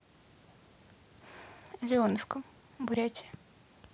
леоновка бурятия